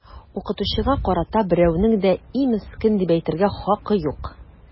Укытучыга карата берәүнең дә “и, мескен” дип әйтергә хакы юк!